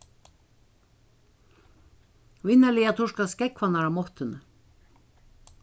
vinarliga turka skógvarnar á mottuni